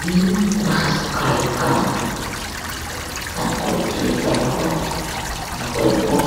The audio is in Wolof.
Lii rahasuu kaiiyu kanam la, dankoi tiyeh sa lokhor nga koi boss